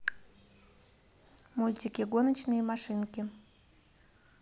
мультики гоночные машинки